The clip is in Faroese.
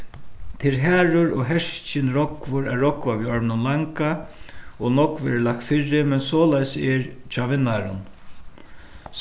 tað er harður og herskin at rógva við orminum langa og nógv verður lagt fyri men soleiðis er hjá vinnarum